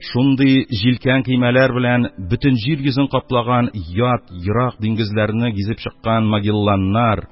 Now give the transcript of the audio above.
Шундый җилкән көймәләр белән бөтен җир йөзен каплаган ят, ерак диңгезләрне гизеп чыккан Магелланнар